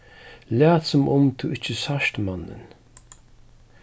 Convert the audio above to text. lat sum um tú ikki sært mannin